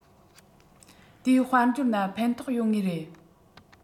དེའི དཔལ འབྱོར ན ཕན ཐོགས ཡོང ངེས རེད